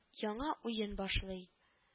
Яңа уен башлый